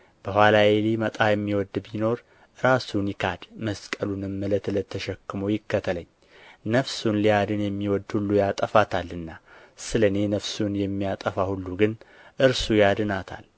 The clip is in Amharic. በኋላዬ ሊመጣ የሚወድ ቢኖር ራሱን ይካድ መስቀሉንም ዕለት ዕለት ተሸክሞ ይከተለኝ ነፍሱን ሊያድን የሚወድ ሁሉ ያጠፋታልና ስለ እኔ ነፍሱን የሚያጠፋ ሁሉ ግን እርሱ ያድናታል